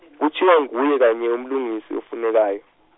kuthiwa nguwe kanye uMlungisi ofunekayo.